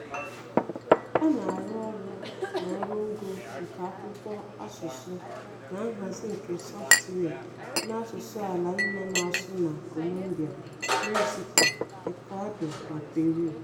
Ọ na-arụ ọrụ na oru ngo nke akwụkwọ asụsụ na nhazi nke software n'asụsụ ala nna na-asụ na Colombia, Mexico, Ecuador na Peru.